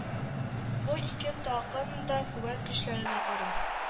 Бу ике такым да куәт көчләренә карый